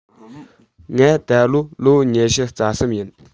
ང ད ལོ ལོ ཉི ཤུ རྩ གསུམ ཡིན